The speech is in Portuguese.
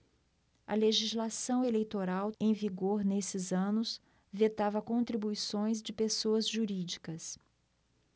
a legislação eleitoral em vigor nesses anos vetava contribuições de pessoas jurídicas